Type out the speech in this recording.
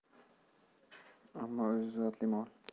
ammo o'zi zotli mol